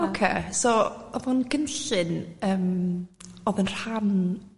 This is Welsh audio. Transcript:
oce so odd o'n gynllun yym odd yn rhan